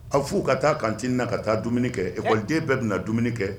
A f fou ka taa kantininina ka taa dumuni kɛ ɛ kɔni den bɛɛ bɛna na dumuni kɛ